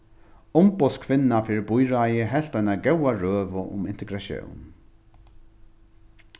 umboðskvinna fyri býráðið helt eina góða røðu um integratión